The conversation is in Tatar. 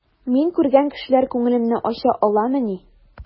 Мин күргән кешеләр күңелемне ача аламыни?